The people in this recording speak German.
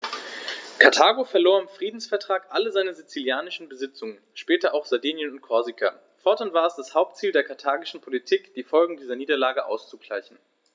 Karthago verlor im Friedensvertrag alle seine sizilischen Besitzungen (später auch Sardinien und Korsika); fortan war es das Hauptziel der karthagischen Politik, die Folgen dieser Niederlage auszugleichen.